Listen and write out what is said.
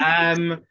Yym